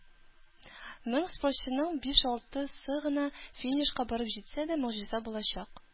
Мең спортчының биш-алтысы гына финишка барып җитсә дә, могҗиза булачак.